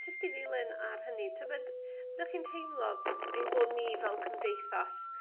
Jyst i ddilyn ar hynny tybed dach chi'n teimlo f- ein bo' ni fel cymdeithas